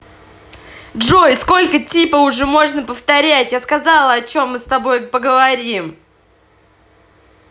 джой сколько типа уже можно повторять я сказала о чем мы с тобой поговорим